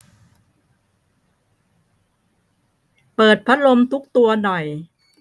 เปิดพัดลมทุกตัวหน่อย